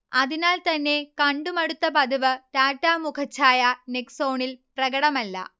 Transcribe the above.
അതിനാൽതന്നെ കണ്ടുമടുത്ത പതിവ് ടാറ്റ മുഖഛായ നെക്സോണിൽ പ്രകടമല്ല